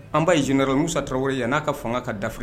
An b'a j dɔrɔn n musa tɔrɔli ye n'a ka fanga ka dafe